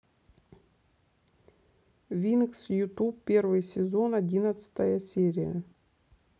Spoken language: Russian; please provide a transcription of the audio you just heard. винкс ютуб первый сезон одиннадцатая серия